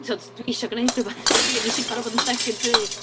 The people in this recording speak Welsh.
Tibod, dwi isio gwneud rywbeth! Dwi ddim isio gorfod bod yn styc yn tŷ.